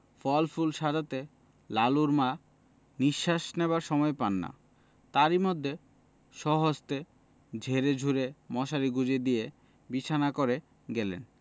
ফল ফুল সাজাতে লালুর মা নিঃশ্বাস নেবার সময় পান না তারই মধ্যে স্বহস্তে ঝেড়েঝুড়ে মশারি গুঁজে দিয়ে বিছানা করে গেলেন